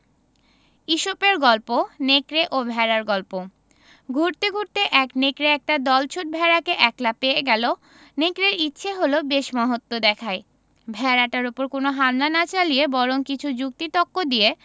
ইসপের গল্প নেকড়ে ও ভেড়ার গল্প ঘুরতে ঘুরতে এক নেকড়ে একটা দলছুট ভেড়াকে একলা পেয়ে গেল নেকড়ের ইচ্ছে হল বেশ মহত্ব দেখায় ভেড়াটার উপর কোন হামলা না চালিয়ে বরং কিছু যুক্তি তক্ক দিয়ে